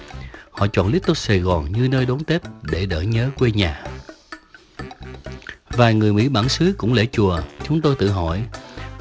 họ chọn lít tô sài gòn như nơi đón tết để đỡ nhớ quê nhà vài người mỹ bản xứ cũng lễ chùa chúng tôi tự hỏi